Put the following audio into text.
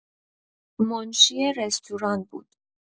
منشی رستوران بود.